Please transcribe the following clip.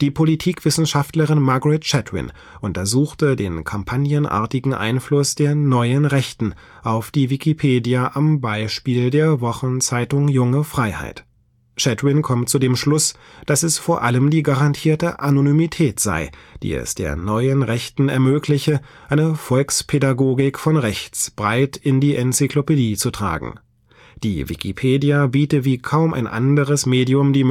Politikwissenschaftlerin Margret Chatwin untersuchte den kampagnenartigen Einfluss der Neuen Rechten auf die Wikipedia am Beispiel der Wochenzeitung „ Junge Freiheit “. Chatwin kommt zum Schluss, dass es vor allem die garantierte Anonymität sei, die es der Neuen Rechten ermögliche, eine „ Volkspädagogik von rechts “breit in die Enzyklopädie zu tragen. Die Wikipedia biete wie kaum ein anderes Medium die